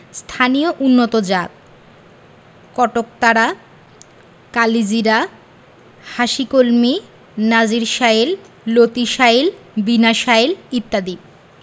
স্থানীয় উন্নতজাতঃ কটকতারা কালিজিরা হাসিকলমি নাজির শাইল লতিশাইল বিনাশাইল ইত্যাদি